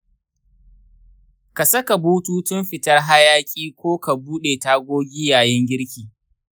ka saka bututun fitar hayaƙi ko ka buɗe tagogi yayin girki.